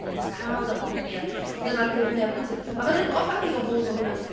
neu jyst cael dy hoffi, a dyna’r peth mwya pwysig a mae’n atgoffa fi o fod nôl yn ysgol.